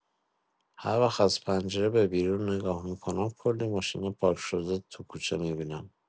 هر وقت از پنجره به بیرون نگاه می‌کنم، کلی ماشین پارک شده تو کوچه می‌بینم.